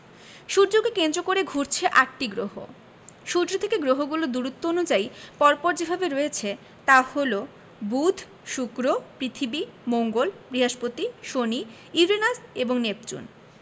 সূর্যকে কেন্দ্র করে ঘুরছে আটটি গ্রহ সূর্য থেকে গ্রহগুলো দূরত্ব অনুযায়ী পর পর যেভাবে রয়েছে তা হলো বুধ শুক্র পৃথিবী মঙ্গল বৃহস্পতি শনি ইউরেনাস এবং নেপচুন